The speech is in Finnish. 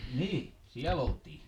niin siellä oltiin